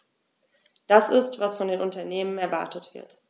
Das ist, was von den Unternehmen erwartet wird.